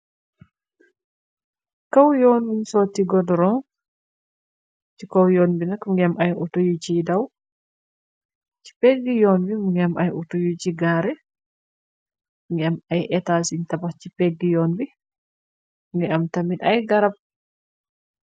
Kaw yoon buñ soti godoron, ci kaw yoon bi nak mungi ay oto yu ci daw. Ci péggi yoon bi mu ngi am ay oto yu ci gaareh. Mu ngi am ay etasiñ yun tabah ci péggi yoon bi mungi am tamit ay garab.